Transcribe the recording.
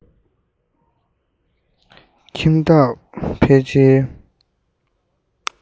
ཁྱིམ བདག ཕལ ཆེར